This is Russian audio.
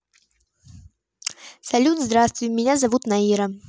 салют здравствуй меня зовут наира